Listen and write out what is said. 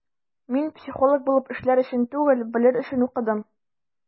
Мин психолог булып эшләр өчен түгел, белер өчен укыдым.